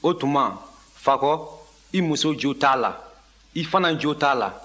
o tuma fako i muso jo t'a la i fana jo t'a la